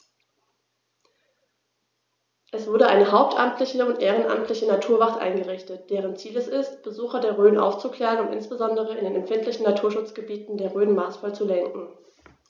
Es wurde eine hauptamtliche und ehrenamtliche Naturwacht eingerichtet, deren Ziel es ist, Besucher der Rhön aufzuklären und insbesondere in den empfindlichen Naturschutzgebieten der Rhön maßvoll zu lenken.